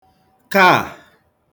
kaà